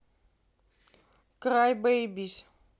край бейбис